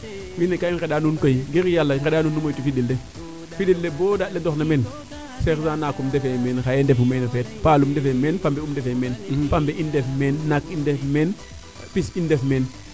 ine kaa i ngenda nuun koy ngir yala ngena nuun nu moytu findeel le findeel le bo daand le dox na meen sergent nakum ndefee meen xaye ndefee meen xaye paalum ndefee meen pambe um ndefee meen pambe in ndefee meen pambe in ndef meen naak in ndef meen pis in ndef meen